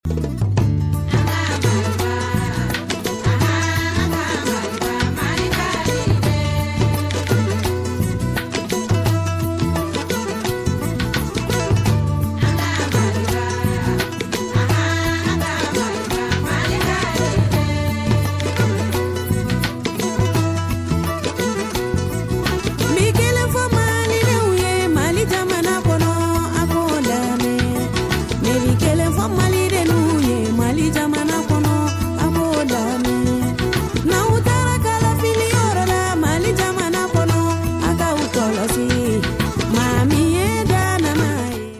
Kelen fo madenw ye mali ja kɔnɔda kelen fo mali le ye mali ja kɔnɔda ma taarakɔrɔ mali ja kɔnɔ ka kɔrɔ faama